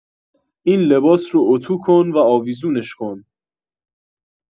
این لباس رو اتو کن و آویزونش کن